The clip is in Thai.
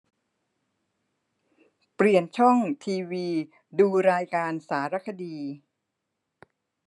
เปลี่ยนช่องทีวีดูรายการสารคดี